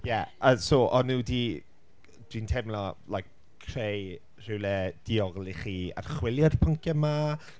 Ie, o- so o'n nhw 'di... dwi'n teimlo like, creu rhywle diogel i chi archwilio'r pynciau 'ma?